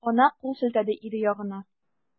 Ана кул селтәде ире ягына.